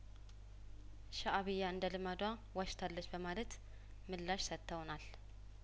ሻእቢያ እንደ ልማዷ ዋሽታለች በማለት ምላሽ ሰጥተውናል